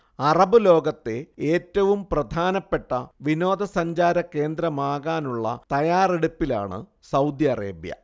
Arab ലോകത്തെ ഏറ്റവും പ്രധാനപ്പെട്ട വിനോദ സഞ്ചാര കേന്ദ്രമാകാനുള്ള തയാറെടുപ്പിലാണ് സൗദി അറേബ്യ